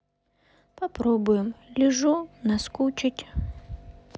попробуем лежу наскучить